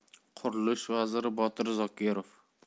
qurilish vaziri botir zokirov